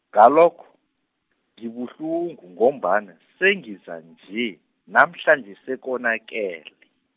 ngalokho, ngibuhlungu ngombana sengiza nje namhlanje sekonakele.